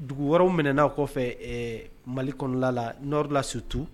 Dugu wɔɔrɔw minɛna'a kɔfɛ mali kɔnɔla la nɔri la sutu